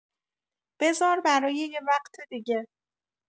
بذار برای یه وقت دیگه.